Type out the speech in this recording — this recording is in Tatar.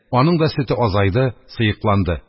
Аның да сөте азайды, сыекланды.